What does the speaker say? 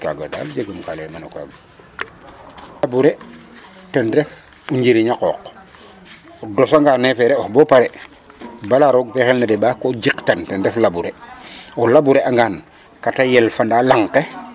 Kaaga dal jegum noka layma no kaaga labourer ten ref o njiriñ a qooq o dosanga nefere of bo pare bala roog fe xelna deɓaa o jeqtan ten ref labourer o labourer angan kata yelefanda lang ke.